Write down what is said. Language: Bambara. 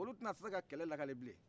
olu tɛ na se ka kɛlɛ lakale bilen